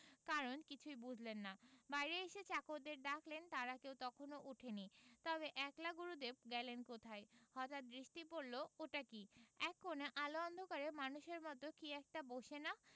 কারণ কিছুই বুঝলেন না বাইরে এসে চাকরদের ডাকলেন তারা কেউ তখনও ওঠেনি তবে একলা গুরুদেব গেলেন কোথায় হঠাৎ দৃষ্টি পড়ল ওটা কি এক কোণে আলো অন্ধকারে মানুষের মত কি একটা বসে না